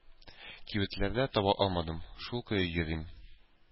Кибетләрдә таба алмадым, шул көе йөрим.